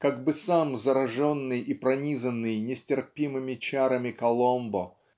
Как бы сам зараженный и пронизанный нестерпимыми чарами Коломбо